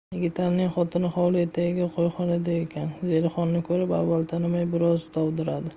yigitalining xotini hovli etagida qo'yxonada ekan zelixonni ko'rib avval tanimay bir oz dovdiradi